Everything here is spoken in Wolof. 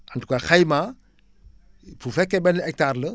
en tout cas xayma bu fekkee benn hectare la